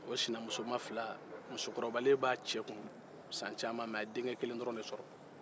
o sinamusoma fila musokɔrɔbalen b'a cɛ kun san caman mɛ a ye denkɛ dɔrɔn de sɔrɔ